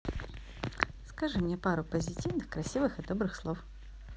скажи мне пару красивых и добрых слов